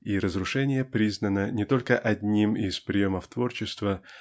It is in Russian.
--и разрушение признано не только одним из приемов творчества